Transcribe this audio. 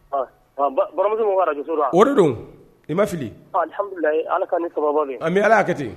Muso o don i ma fili ala ala hakɛ ten